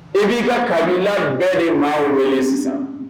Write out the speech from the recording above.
I b'i ka kabila bɛɛ de maa ye wele sisan